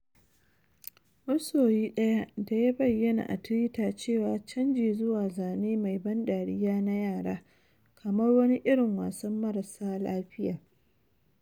Masoyi daya ya bayyana a Twitter cewa canji zuwa zane mai ban dariya na yara kamar “wani irin wasan mararsa lafiya.’